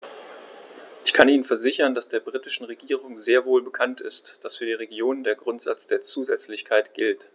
Ich kann Ihnen versichern, dass der britischen Regierung sehr wohl bekannt ist, dass für die Regionen der Grundsatz der Zusätzlichkeit gilt.